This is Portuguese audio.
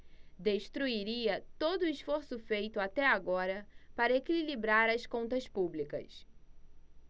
destruiria todo esforço feito até agora para equilibrar as contas públicas